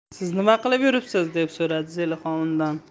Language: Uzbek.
siz nima qilib yuribsiz deb so'radi zelixon undan